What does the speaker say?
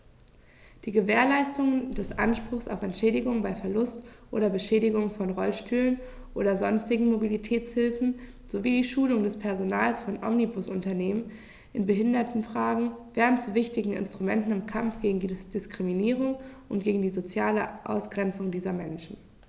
Die Gewährleistung des Anspruchs auf Entschädigung bei Verlust oder Beschädigung von Rollstühlen oder sonstigen Mobilitätshilfen sowie die Schulung des Personals von Omnibusunternehmen in Behindertenfragen werden zu wichtigen Instrumenten im Kampf gegen Diskriminierung und gegen die soziale Ausgrenzung dieser Menschen.